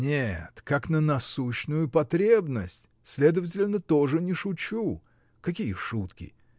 — Нет, как на насущную потребность, следовательно, тоже не шучу. Какие шутки!